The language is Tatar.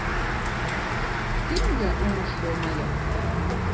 Кемгә уңыш елмаер?